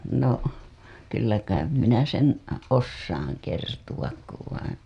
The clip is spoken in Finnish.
no kyllä kai minä sen osaan kertoa kun vai